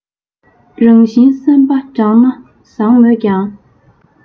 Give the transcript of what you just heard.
རང བཞིན བསམ པ དྲང ན བཟང མོད ཀྱང